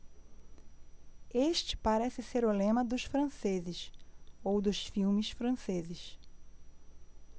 este parece ser o lema dos franceses ou dos filmes franceses